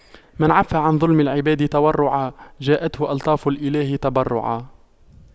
من عَفَّ عن ظلم العباد تورعا جاءته ألطاف الإله تبرعا